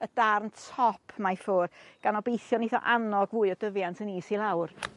y darn top 'ma i ffwr' gan obeithio neith o annog fwy o dyfiant yn is i lawr.